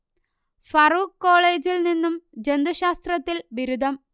ഫറൂക്ക് കോളേജിൽ നിന്നും ജന്തുശാസ്ത്രത്തിൽ ബിരുദം